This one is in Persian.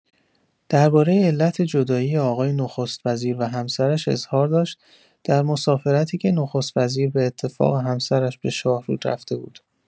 درباره علت جدائی آقای نخست‌وزیر و همسرش اظهار داشت در مسافرتی که نخست‌وزیر باتفاق همسرش به شاهرود رفته بود.